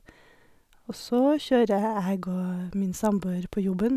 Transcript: Og så kjører jeg og min samboer på jobben.